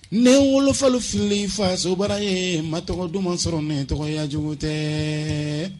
Ne n wolofalofilen fasobara ye ma tɔgɔ duman sɔrɔ n tɔgɔya cogo tɛ